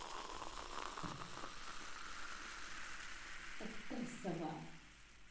отдай сова